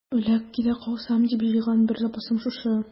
Үлә-китә калсам дип җыйган бар запасым шушы.